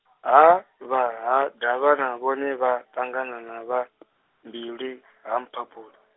ha vha ha Davhana vhone vha ṱangana na vha , Mbilwi, ha Mphaphuli.